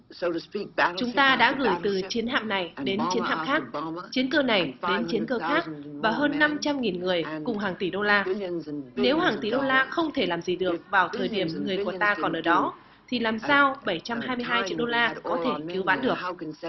chúng ta chúng ta đã gửi từ chiến hạm này đến chiến hạm khác chiến cơ này đến chiến cơ khác và hơn năm trăm nghìn người cùng hàng tỷ đô la nếu hàng tỷ đô la không thể làm gì được vào thời điểm người của ta còn ở đó thì làm sao bảy trăm hai mươi hai triệu đô la có thể cứu vãn được